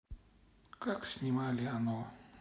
как снимали оно